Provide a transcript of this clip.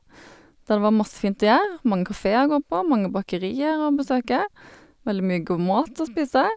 Der det var masse fint å gjøre, mange kafeer å gå på, mange bakerier å besøke, veldig mye god mat å spise.